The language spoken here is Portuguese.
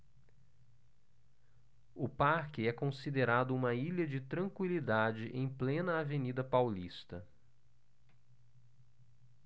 o parque é considerado uma ilha de tranquilidade em plena avenida paulista